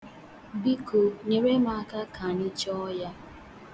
Biko nyere m aka ka anyị chọọ ya.